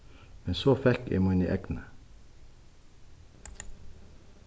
men so fekk eg míni egnu